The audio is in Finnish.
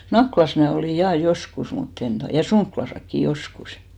Nakkilassa minä olin ja joskus mutta en tuota ja Sonkilassakin joskus